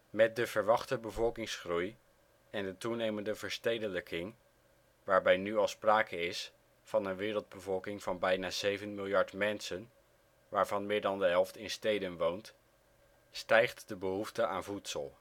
Met de verwachte bevolkingsgroei en de toenemende verstedelijking — waarbij nu al sprake is van een wereldbevolking van bijna 7 miljard mensen waarvan meer dan de helft in steden woont — stijgt de behoefte aan voedsel